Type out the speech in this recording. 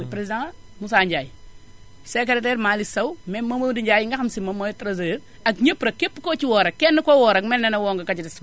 le président Moussa Ndiaye secrétaire Malick Sow même Mamadou Ndiaye mi nga xam ne sii moom mooy trésorier ak ñépp rekk képp koo ci woo rekk kenn koo woo rekk mel na ne woo nga ka ca des